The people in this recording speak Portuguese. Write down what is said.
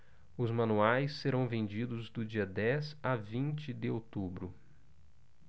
os manuais serão vendidos do dia dez a vinte de outubro